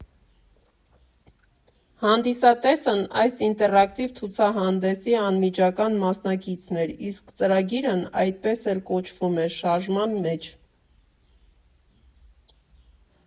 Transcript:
Հանդիսատեսն այս ինտերակտիվ ցուցահանդեսի անմիջական մասնակիցն էր, իսկ ծրագիրն այդպես էլ կոչվում էր՝ «Շարժման մեջ»։